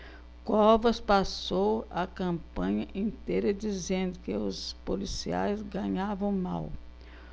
covas passou a campanha inteira dizendo que os policiais ganhavam mal